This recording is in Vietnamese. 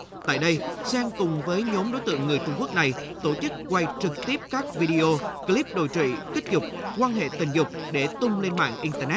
tại đây sen cùng với nhóm đối tượng người trung quốc này tổ chức quay trực tiếp các vi đê ô cờ líp đồi trụy kích dục quan hệ tình dục để tung lên mạng in tơ nét